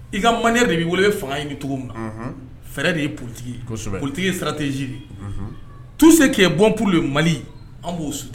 I ka mali de b'i bolo i fanga in bɛ cogo min na fɛɛrɛ de ye ptigisɔ ptigi sarati ziri tu se kɛ bɔ ppur ye mali an b'o su